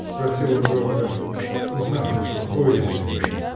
— спросил он робко, — узнать, успокоились ли вы.